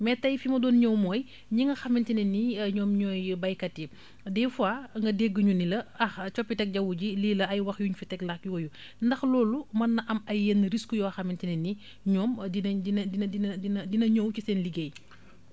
mais tay fi ma doon ñëw mooy ñi nga xamante ne ni ñoom ñooy baykat yi des fois nga dégg ñu ni la ah coppiteg jaww ji lii la ay wax yuñ fi teg laag yooyu ndax loolu mën na am ay yenn risques yoo xamante ne ni ñoom dinañ dinañ dina dina dina dina ñëw ci seen liggéey